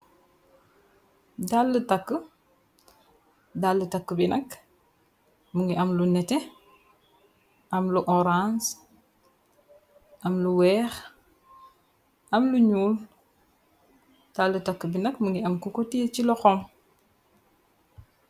Daale takk, daale takk bi nakk mu ngi am lu nete, am lu orange, am lu weex, am lu ñuul, daale takk bi nak mu ngi am kuko tiye ci loxom.